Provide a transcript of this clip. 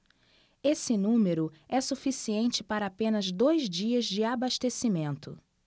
esse número é suficiente para apenas dois dias de abastecimento